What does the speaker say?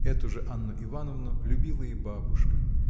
Эту же Анну Ивановну любила и бабушка